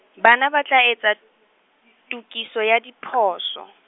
bana ba tla etsa , tokiso ya di phoso.